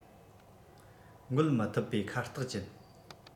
འགོད མི ཐིབ པའི ཁ རྟགས ཅན